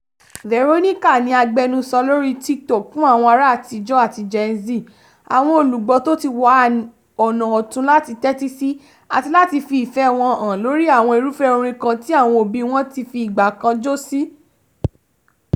Veronica ni agbẹnusọ lóri TikTok fún àwọn ará àtijọ́ àti Gen Z — àwọn olùgbọ́ tó ti wá ọ̀nà ọ̀tun láti tẹ́tí sí àti láti fi ìfẹ́ wọn hàn lóri àwọn irúfẹ́ orin kan tí àwọn òbí wọn ti fi ìgbà kan jó sí.